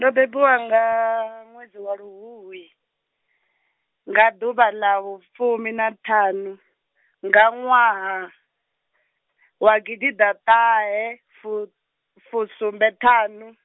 ndo bebiwa nga, ṅwedzi wa luhuhi, nga ḓuvha ḽa vhufumi na ṱhanu, nga ṅwaha, wa gididatahefu-, -fusumbeṱhanu.